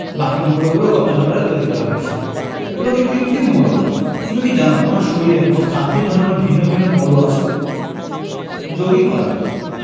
বাকি মৌলগুলো গবেষণাগারে তৈরি করা হয়েছে এগুলোকে কৃত্রিম মৌল বলে তুমি কি জানো তোমার শরীরে মোট ২৬ ধরনের ভিন্ন ভিন্ন মৌল আছে যৌগিক পদার্থ